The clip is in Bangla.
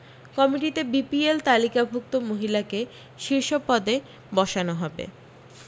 কমিটিতে বিপিএল তালিকাভুক্ত মহিলাকে শীর্ষ পদে বসানো হবে